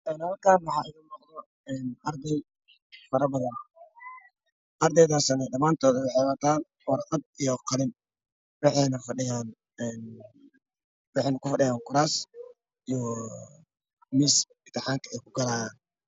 Een halkaan waxaa iiga muuqdo een arday fara badan ardaydaasina dhamaantooda waxay wataan warqad iyo qalin waxayna fadhiyaan een waxayna ku fadhiyaan kuraas iyoo miis itaxaanka ay ku galayaan